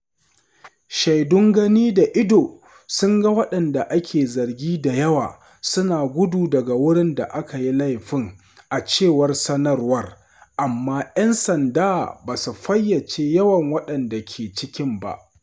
Shaidun gani da ido sun ga waɗanda ake zargi da yawa suna gudu daga wurin da aka yi laifin a cewar sanarwar, amma ‘yan sanda ba su fayyace yawan waɗanda ke cikin ba.